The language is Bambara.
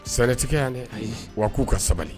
Sɛlɛtigɛ yan dɛ wa k'u ka sabali